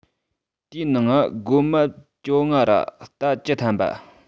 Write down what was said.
དེའི ནང ང རྒོད མ བཅོ ལྔ ར རྟ བཅུ ཐམ པ